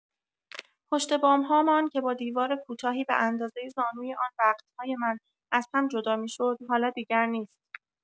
پشت‌بام‌هامان که با دیوار کوتاهی به اندازۀ زانوی آن وقت‌های من از هم جدا می‌شد، حالا دیگر نیست.